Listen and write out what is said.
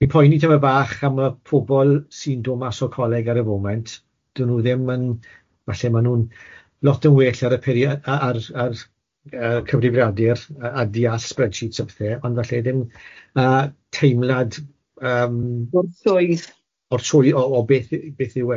fi'n poeni tamed bach am y pobol sy'n dod mas o'r coleg ar y foment, 'dyn nw ddim yn falle ma' nw'n lot yn well ar y peiria- ar ar y cyfrifiadur yy a deall spreadsheets a pethe, ond falle ddim yy teimlad yym... O'r swydd... o'r swydd o o beth beth yw e.